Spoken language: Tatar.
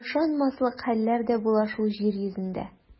Ышанмаслык хәлләр дә була шул җир йөзендә.